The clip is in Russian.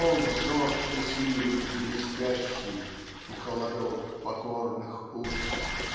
О, взор, счастливый и блестящий, И холодок покорных уст!